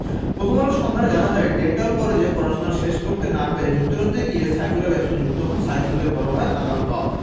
প্রথম আলোর সন্ধানে জানা যায় ডেন্টাল কলেজে পড়াশোনা শেষ করতে না পেরে যুক্তরাজ্যে গিয়ে সাইফুলের ব্যবসায় যুক্ত হন সাইফুলের বড় ভাই আতাউল হক